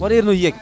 wari rano yeg